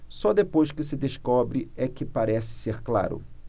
só depois que se descobre é que parece ser claro